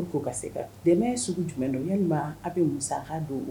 Se dɛmɛ ye sugu jumɛn don a bɛ mu don